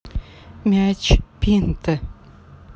мяч пинта